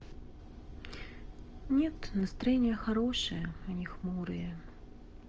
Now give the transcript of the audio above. нет настроение хорошее а не хмурые